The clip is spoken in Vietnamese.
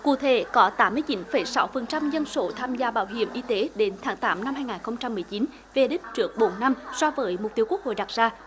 cụ thể có tám mươi chín phẩy sáu phần trăm dân số tham gia bảo hiểm y tế đến tháng tám năm hai ngàn không trăm mười chín về đích trước bốn năm so với mục tiêu quốc hội đặt ra